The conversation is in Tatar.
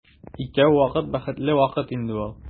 Икәү вакыт бәхетле вакыт инде ул.